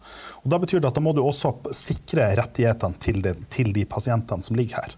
og da betyr det at da må du også sikre rettighetene til til de pasientene som ligger her.